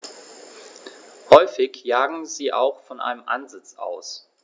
Häufig jagen sie auch von einem Ansitz aus.